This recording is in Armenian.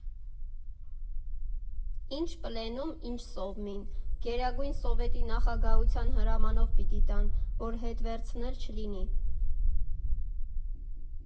Ի՞նչ պլենում, ի՜նչ սովմին։ Գերագույն սովետի նախագահության հրամանով պիտի տան, որ հետ վերցնել չլինի։